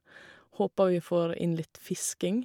Håper vi får inn litt fisking.